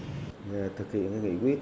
về thực hiện nghị